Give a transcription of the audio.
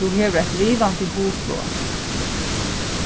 tú hevur eitt livandi hugflog